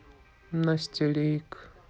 настя рейк